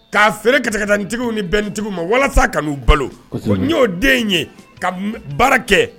K'a feere kata taa ntigiw ni bɛnintigiw ma walasa ka'u balo n y'o den in ye ka baara kɛ